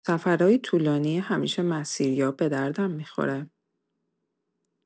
تو سفرای طولانی همیشه مسیریاب به دردم می‌خوره.